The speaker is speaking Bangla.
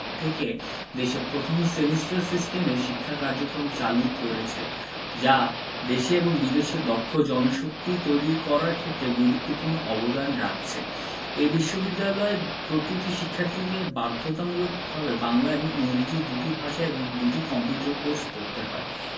থেকে দেশের প্রথম সেমিস্টার সিস্টেমে শিক্ষা কার্যক্রম চালু করেছে যা দেশে এবং বিদেশে দক্ষ জনশক্তি তৈরি করার ক্ষেত্রে গুরুত্বপূর্ণ অবদান রাখছে এই বিশ্ববিদ্যালয়ে প্রতিটি শিক্ষার্থীকে বাধ্যতামূলকভাবে বাংলা এবং ইংরেজি দুটি ভাষা এবং দুটি কম্পিউটার কোর্স পড়তে হয়